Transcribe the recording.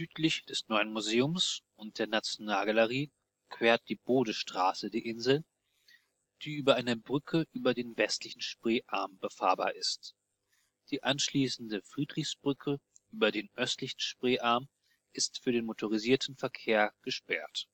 Südlich des Neuen Museums und der Nationalgalerie quert die Bodestraße die Insel, die über eine Brücke über den westlichen Spreearm befahrbar ist; die anschließende Friedrichsbrücke über den östlichen Spreearm ist für den motorisierten Verkehr gesperrt